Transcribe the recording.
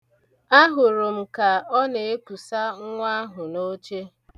Ahụrụ m ka ọ na-ekusa nnwa ahụ n'oche.